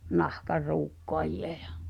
ja nahanruukkaajia ja